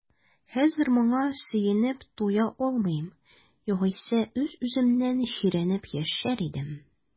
Хәзер моңа сөенеп туя алмыйм, югыйсә үз-үземнән җирәнеп яшәр идем.